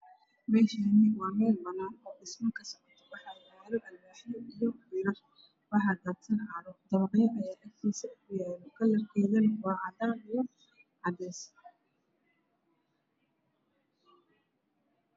Meshaani waa Mel banan ha dhismo ka socoto wax yaalo alwaxyo iyo birar wax dadsan caro dawaqyo ayaa agtiisa ku yalo kalarkeduna waa caadan iyo cadees